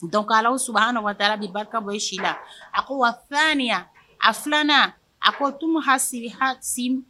Dɔnkuc s nɔgɔ taara de barika bɔ si la a ko wa fɛnya a filanan a ko t ha hasi